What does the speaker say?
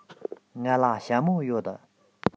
ང ལ ཞྭ མོ ཡོད